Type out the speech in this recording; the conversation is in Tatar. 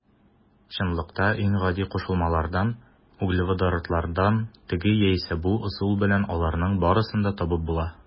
Чынлыкта иң гади кушылмалардан - углеводородлардан теге яисә бу ысул белән аларның барысын да табып була.